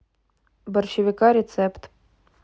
борщевка рецепт